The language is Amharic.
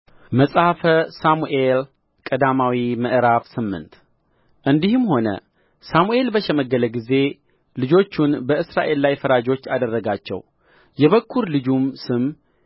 መጽሐፈ ሳሙኤል ቀዳማዊ ምዕራፍ ስምንት እንዲህም ሆነ ሳሙኤል በሸመገለ ጊዜ ልጆቹን በእስራኤል ላይ ፈራጆች አደረጋቸው የበኵር ልጁም ስም